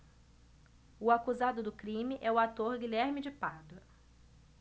o acusado do crime é o ator guilherme de pádua